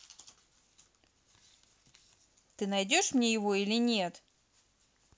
ты найдешь мне его или нет